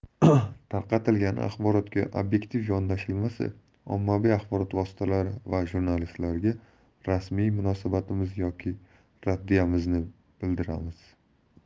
tarqatilgan axborotga obyektiv yondashilmasa ommaviy axborot vositalari va jurnalistlarga rasmiy munosabatimiz yoki raddiyamizni bildiramiz